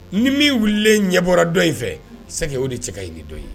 Ni min wililen ɲɛ bɔra dɔ in fɛ sɛgɛ o de cɛ ka ni dɔ ye